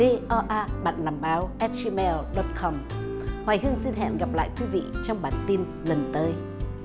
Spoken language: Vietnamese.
vê o a bạn làm báo ép xi meo đóc com hoài hương xin hẹn gặp lại quý vị trong bản tin lần tới